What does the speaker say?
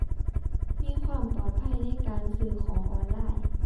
มีความปลอดภัยในการซื้อของออนไลน์